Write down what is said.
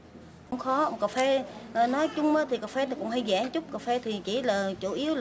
không khó uống cà phê nói chung ý thì cà phê cũng hơi rẻ chút cà phê thì là chỉ là chủ yếu